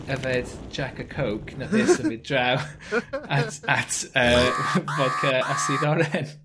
...YFED Jack a coke nath e symud draw at at yy fodca a sudd oren.